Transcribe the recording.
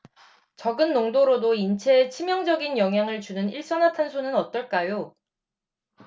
적은 농도로도 인체에 치명적인 영향을 주는 일산화탄소는 어떨까요